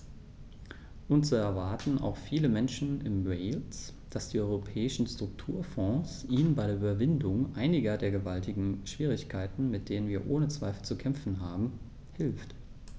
Und so erwarten auch viele Menschen in Wales, dass die Europäischen Strukturfonds ihnen bei der Überwindung einiger der gewaltigen Schwierigkeiten, mit denen wir ohne Zweifel zu kämpfen haben, hilft.